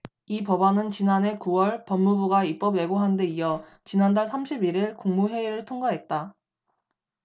이 법안은 지난해 구 월 법무부가 입법예고한데 이어 지난달 삼십 일 일 국무회의를 통과했다